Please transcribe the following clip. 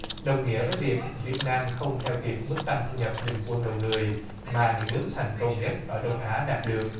đồng nghĩa với việc việt nam không theo kịp mức tăng thu nhập bình quân đầu người mà những nước thành công nhất ở đông á đạt được